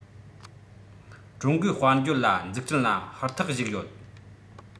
ཀྲུང གོའི དཔལ འབྱོར ལ འཛུགས སྐྲུན ལ ཧུར ཐག ཞུགས ཡོད